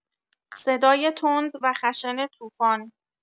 صدای تند و خشن طوفان